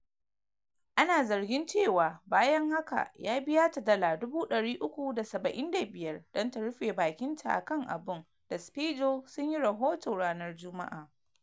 A lokacin da yake magana ta hanyar bidiyon shi ta Instagram da masu bin shi Miliyan 142 sa’o’i bayan an yi rahoton ikirarin, Ronaldo, 33, yayi watsi da rahoton matsayin “labarin karya”